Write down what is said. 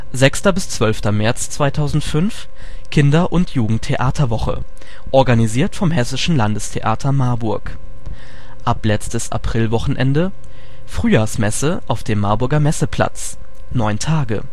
6.-12. März 2005 Kinder - und Jugendtheaterwoche (organisiert vom Hess. Landestheater Marburg) ab letztes Aprilwochenende: " Frühjahrsmesse " auf dem Marburger Messeplatz (9 Tage